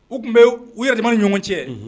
U tun bɛ u ya ni ɲɔgɔn cɛ